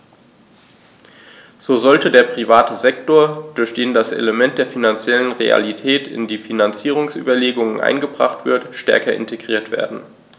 So sollte der private Sektor, durch den das Element der finanziellen Realität in die Finanzierungsüberlegungen eingebracht wird, stärker integriert werden.